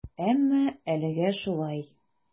Әмма әлегә шулай.